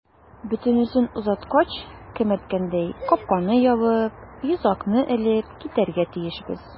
Бөтенесен озаткач, кем әйткәндәй, капканы ябып, йозакны элеп китәргә тиешбез.